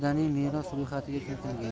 madaniy meros ro'yxatiga kiritilgan